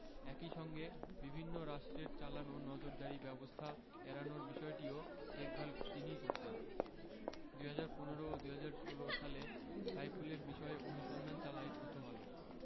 একই সঙ্গে বিভিন্ন রাষ্ট্রের চালানো নজরদারি ব্যবস্থা এড়ানোর বিষয়টিও দেখভাল তিনিই করতেন ২০১৫ ও ২০১৬ সালে সাইফুলের বিষয়ে অনুসন্ধান চালায় প্রথম আলো